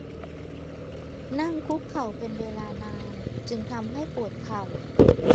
นั่งคุกเข่าเป็นเวลานานจึงทำให้ปวดเข่า